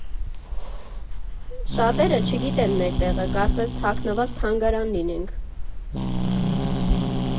Շատերը չգիտեն մեր տեղը, կարծես թաքնված թանգարան լինենք.